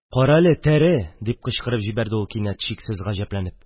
Кара әле! Тәре! – дип кычкырып җибәрде ул кинәт, чиксез гаҗәпләнеп.